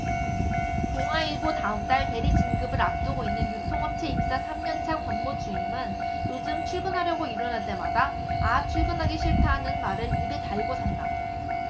동아일보 다음 달 대리 진급을 앞두고 있는 유통업체 입사 삼 년 차 권모 주임은 요즘 출근하려고 일어날 때마다 아 출근하기 싫다는 말을 입에 달고 산다